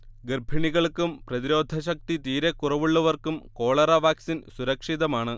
ഗർഭിണികൾക്കും പ്രതിരോധശക്തി തീരെ കുറവുള്ളവർക്കും കോളറ വാക്സിൻ സുരക്ഷിതമാണ്